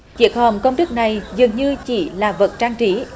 chiếc hòm công đức này dường như chỉ là vật trang trí